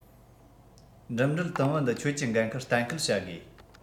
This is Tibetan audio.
འགྲིམ འགྲུལ དུམ བུ འདི ཁྱོད ཀྱི འགན ཁུར གཏན འཁེལ བྱ དགོས